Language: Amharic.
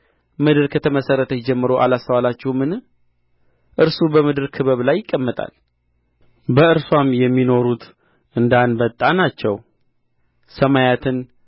ምድር ከተመሠረተች ጀምሮ አላስተዋላችሁምን እርሱ በምድር ክበብ ላይ ይቀምጣል በእርስዋም የሚኖሩት እንደ አንበጣ ናቸው ሰማያትን